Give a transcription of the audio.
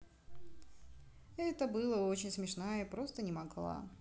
это было очень смешная просто не могла